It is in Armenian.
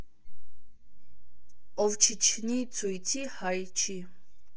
Ով չիջնի ցույցի, հայ չի։